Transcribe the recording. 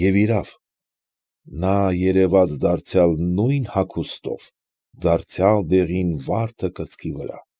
Եվ իրավ, նա երևաց դարձյալ նույն հագուստով, դարձյալ դեղին վարդը կրծքի վրա։